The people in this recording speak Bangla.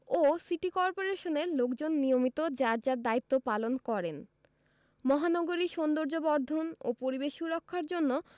ও সিটি কর্পোরেশনের লোকজন নিয়মিত যার যার দায়িত্ব পালন করেন মহানগরীর সৌন্দর্যবর্ধন ও পরিবেশ সুরক্ষার জন্য